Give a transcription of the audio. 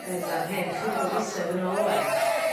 yn fan hyn chydig o fisoedd yn ôl ŵan